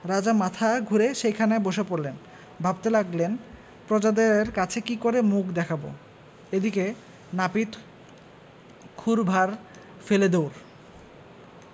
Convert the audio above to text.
রাজা মাথা ঘুরে সেইখানে বসে পড়লেন ভাবতে লাগলেন প্রজাদের কাছে কী করে মুখ দেখাব এদিকে নাপিত ক্ষুর ভাঁড় ফেলে দৌড়